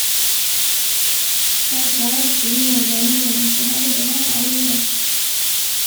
Jeg pleier å stille meg i damekøen, på herredo har jeg aldri vært.